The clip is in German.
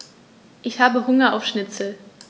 Ich habe Hunger auf Schnitzel.